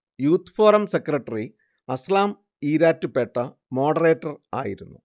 youth forum secretary Aslam Erattupetta moderator ആയിരുന്നു